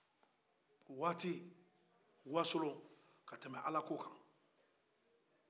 o waati wasolo ka tɛ mɛ ala ko kan